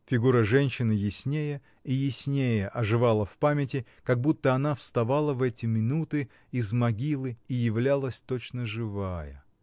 Фигура женщины яснее и яснее оживала в памяти, как будто она вставала в эти минуты из могилы и являлась точно живая.